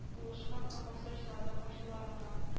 Туышкан апасы очрады каршыларыңа